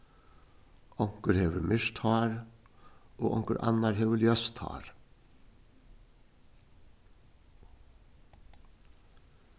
onkur hevur myrkt hár og onkur annar hevur ljóst hár